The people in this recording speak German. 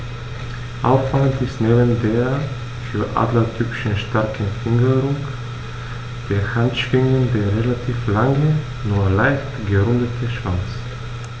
Auffallend ist neben der für Adler typischen starken Fingerung der Handschwingen der relativ lange, nur leicht gerundete Schwanz.